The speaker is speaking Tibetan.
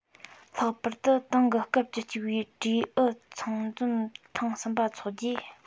ལྷག པར དུ ཏང གི སྐབས བཅུ གཅིག པའི གྲོས ཨུ ཚང འཛོམས ཐེངས གསུམ པ ཚོགས རྗེས